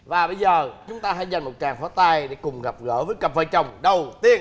và bây giờ chúng ta hãy dành một tràng pháo tay để cùng gặp gỡ với cặp vợ chồng đầu tiên